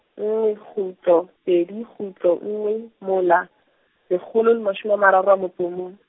nngwe, kgutlo, pedi, kgutlo, nngwe, mola, lekgolo le mashome a mararo a motso o mong.